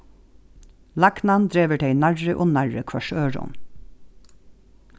lagnan dregur tey nærri og nærri hvørt øðrum